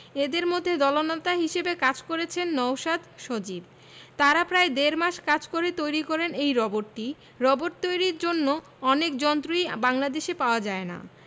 এদের মধ্যে দলনেতা হিসেবে কাজ করেছেন নওশাদ সজীব তারা প্রায় দেড় মাস কাজ করে তৈরি করেন এই রোবটটি রোবট তৈরির জন্য অনেক যন্ত্রই বাংলাদেশে পাওয়া যায় না